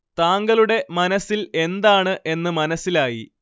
താങ്കളുടെ മനസ്സിൽ എന്താണ് എന്ന് മനസ്സിലായി